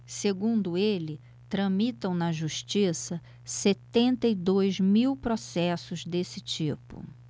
segundo ele tramitam na justiça setenta e dois mil processos desse tipo